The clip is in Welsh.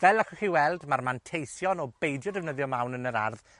Fel allwch chi weld ma'r manteision o beidio defnyddio mawn yn yr ardd